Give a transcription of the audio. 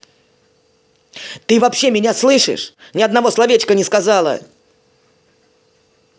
ты вообще меня слышишь ни одного словечка не сказала